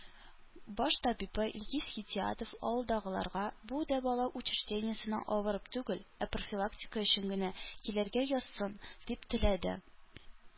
Баш табибы Илгиз Хидиятов авылдагыларга бу дәвалау учреждениесенә авырып түгел, ә профилактика өчен генә килергә язсын, дип теләде.